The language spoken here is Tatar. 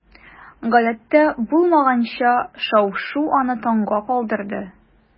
Гадәттә булмаганча шау-шу аны таңга калдырды.